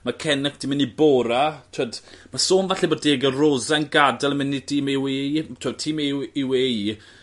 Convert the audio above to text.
Ma' Kennaugh 'di mynd i Bora t'wod ma' sôn falle bod Diego Rosa yn gad'el i mynd i dîm You Ai Ee t'wod tîm Yoy You Ai Ee